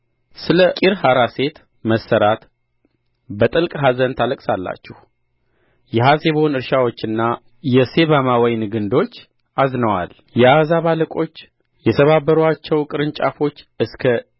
ስለ ቂርሐራሴት መሠራት በጥልቅ ኀዘን ታለቅሳላችሁ የሐሴቦን እርሻዎችና የሴባማ ወይን ግንዶች አዝነዋል የአሕዛብ አለቆች የሰባበሩአቸው ቅርንጫፎች እስከ